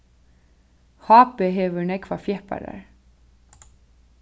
hb hevur nógvar fjepparar